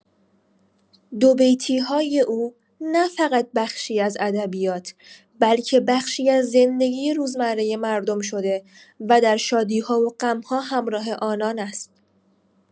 دوبیتی‌های او نه‌فقط بخشی از ادبیات، بلکه بخشی از زندگی روزمره مردم شده و در شادی‌ها و غم‌ها همراه آنان است.